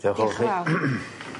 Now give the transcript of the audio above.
Diolch fawr chi.